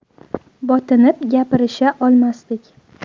botinib gapirisha olmasdik